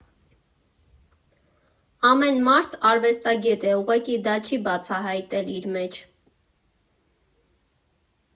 Ամեն մարդ արվեստագետ է, ուղղակի դա չի բացահայտել իր մեջ։